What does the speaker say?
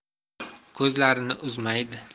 ko'zlarini uzmaydi